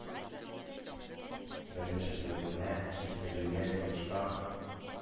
Беренчелегенә үткәрелгән ярыштан